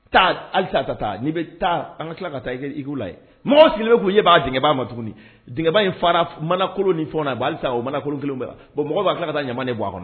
Taa halisa ka taa n'i bɛ taa an ka tila ka taa i la mɔgɔ sigilen bɛ' i ye b'a denkɛba ma tuguniba in fara manakolon ni fɔ b' halisa o manakolon kelen bɔn mɔgɔ b'a tila ka taa ɲa de bɔ a kɔnɔ